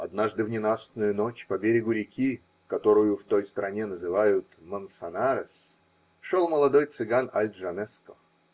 Однажды в ненастную ночь по берегу реки, которую в той стране называют Мансанарес, шел молодой цыган Аль-Джанеско.